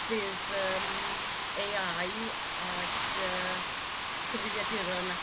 bydd yrm AI ag yrr cyfrifiaduron